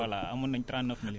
voilà amoon nañ trente neuf mili